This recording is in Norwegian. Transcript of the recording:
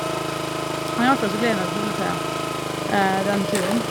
Men i hvert fall så gleder jeg meg fole til den turen.